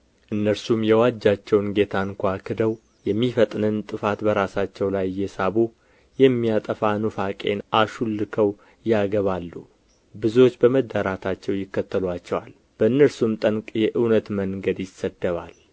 እነርሱም የዋጃቸውን ጌታ እንኳ ክደው የሚፈጥንን ጥፋት በራሳቸው ላይ እየሳቡ የሚያጠፋ ኑፋቄን አሹልከው ያገባሉ ብዙዎችም በመዳራታቸው ይከተሉአቸዋል በእነርሱም ጠንቅ የእውነት መንገድ ይሰደባል